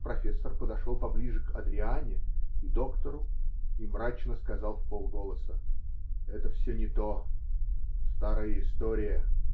Профессор подошел поближе к Адриане и доктору и мрачно сказал вполголоса: -- Это все не то. Старая история.